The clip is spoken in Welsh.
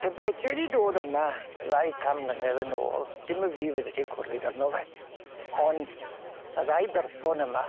Pe bai ti wedi dod yma ddau can mlynedd yn ôl dim y fi fyddet ti'n cwrddid arno fe ond y ddau berson yma.